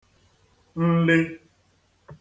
nlī